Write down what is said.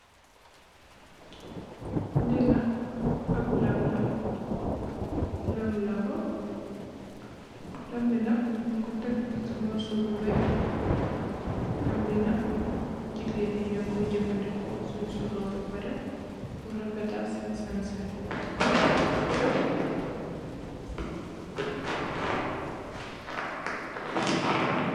Li nak ap lam la lam mi loxo lam bi nak ñing ko tèk ci morso bu wèèx lam bi nak jigeen yi ñu koy jafandiko sin sol lo ba paré purr refetal sèèn sanseh.